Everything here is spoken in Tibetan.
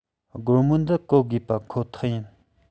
སྒོར མོ འདི བཀོལ དགོས པ ཁོ ཐག ཡིན